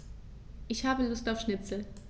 Ich habe Lust auf Schnitzel.